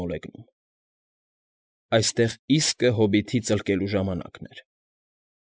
Մոլեգնում։ Այստեղ իսկը հոբիտի ծլկելու ժամանակն էր։